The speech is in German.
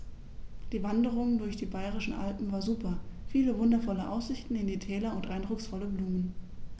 Die Wanderungen durch die Bayerischen Alpen waren super. Viele wundervolle Aussichten in die Täler und eindrucksvolle Blumen.